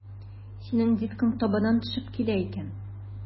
Синең дискың табадан төшеп килә икән.